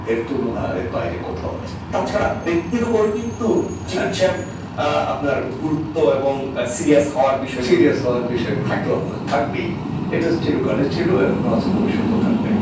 এর তুলনা এর বাইরে কোথাও নেই তা ছাড়া ব্যক্তির উপর কিন্তু চিকিৎসার আপনার গুরুত্ব এবং সিরিয়াস হওয়ার বিষয়গুলো সিরিয়াস হওয়ার বিষয়গুলো থাকে থাকবেই এটা চিরকালই ছিল এখনও আছে ভবিষ্যতেও থাকবে